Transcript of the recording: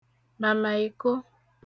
màmàìko